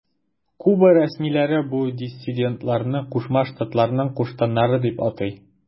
Куба рәсмиләре бу диссидентларны Кушма Штатларның куштаннары дип атый.